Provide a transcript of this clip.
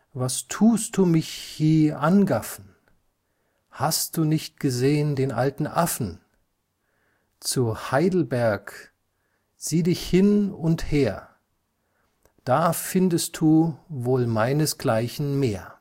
Was thustu mich hie angaffen? Hastu nicht gesehen den alten Affen Zu Heydelberg / sich dich hin unnd her / Da findestu wol meines gleichen mehr